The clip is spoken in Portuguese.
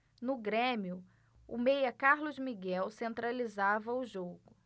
no grêmio o meia carlos miguel centralizava o jogo